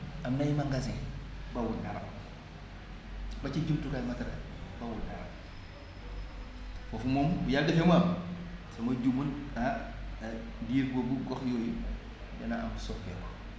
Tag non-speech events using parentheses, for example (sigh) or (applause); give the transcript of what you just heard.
am na ay magasins bawuñ dara (smacks lips) ba ci jumtukaay matériel bawul dara foofu moom bu Yàlla defee mu am su ma juumul ah diir boobu gox yooyu dina am soppeeku